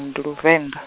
ndu Luvenḓa.